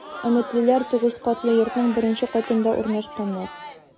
“өметлеләр” 9 катлы йортның беренче катында урнашкан.